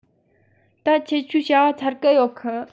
ད ཁྱེད ཆོའི བྱ བ ཚར གི ཨེ ཡོད གི